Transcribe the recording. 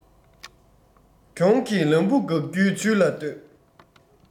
གྱོང གི ལམ བུ དགག རྒྱུའི ཇུས ལ ལྟོས